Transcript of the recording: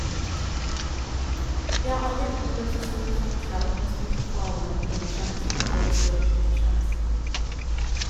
Jeg har aldri opplevd så stor forskjell med smult farvann innaskjærs og grov sjø utaskjærs.